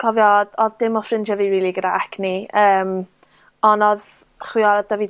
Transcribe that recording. Cofio odd odd dim o ffrindie fi rili gyda acne, yym on' odd chwiorydd 'da fi